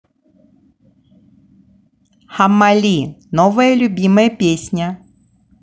hammali новая любимая песня